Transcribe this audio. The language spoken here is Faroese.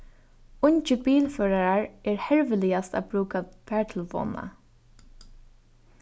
ungir bilførarar eru herviligast at brúka fartelefonina